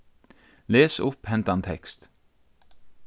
les upp hendan tekst